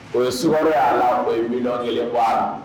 O ye sugaro ya la o ye 1000000 bɔ a la.